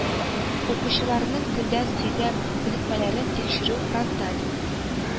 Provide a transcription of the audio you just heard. Укучыларның телдəн сөйлəм күнекмəлəрен тикшерү фронталь